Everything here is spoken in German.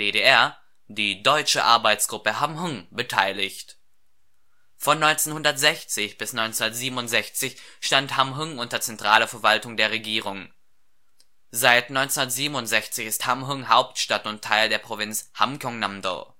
DDR, die „ Deutsche Arbeitsgruppe Hamhung “, beteiligt. Von 1960 bis 1967 stand Hamhŭng unter zentraler Verwaltung der Regierung. Seit 1967 ist Hamhŭng Hauptstadt und Teil der Provinz Hamgyŏng-namdo